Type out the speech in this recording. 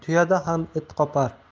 tuyada ham it qopar